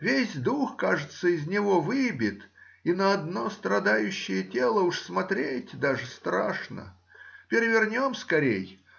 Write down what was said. весь дух, кажется, из него выбит, и на одно страдающее тело уж смотреть даже страшно. Перевернем скорей.